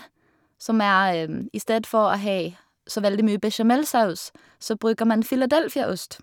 som er I stedet for å ha så veldig mye bechamelsaus, så bruker man Philadelphia-ost.